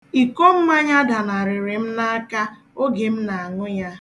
Iko mmanya danarịrị m n'aka oge m na-aṅụ ya